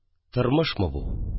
Тормышмы бу